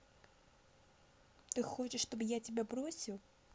ты хочешь чтобы я тебя бросил